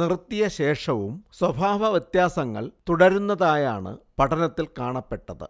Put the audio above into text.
നിർത്തിയശേഷവും സ്വഭാവവ്യത്യാസങ്ങൾ തുടരുന്നതായാണ് പഠനത്തിൽ കാണപ്പെട്ടത്